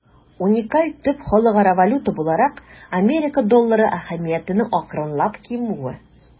Уникаль төп халыкара валюта буларак Америка доллары әһәмиятенең акрынлап кимүе.